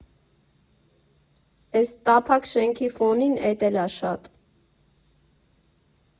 ֊ Էս տափակ շենքի ֆոնին էտ էլ ա շատ։